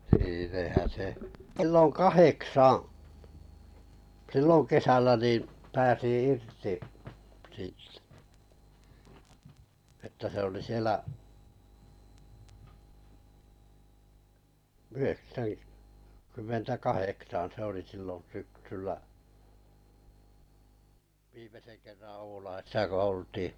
sehän se kello kahdeksan silloin kesällä niin pääsi irti - että se oli siellä - yhdeksänkymmentäkahdeksan se oli silloin syksyllä viimeisen kerran Oulaisissa kun oltiin